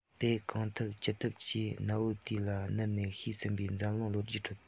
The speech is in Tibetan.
དེ གང ཐུབ ཅི ཐུབ ཀྱིས གནའ བོའི དུས ལ བསྣུར ནས ཤེས ཟིན པའི འཛམ གླིང ལོ རྒྱུས ཁྲོད དུ